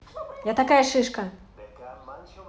я такая шишка